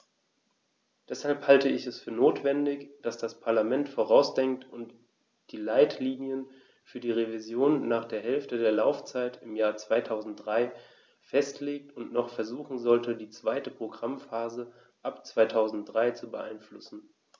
Deshalb halte ich es für notwendig, dass das Parlament vorausdenkt und die Leitlinien für die Revision nach der Hälfte der Laufzeit im Jahr 2003 festlegt und noch versuchen sollte, die zweite Programmphase ab 2003 zu beeinflussen.